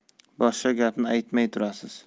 boshqa gapni aytmay turasiz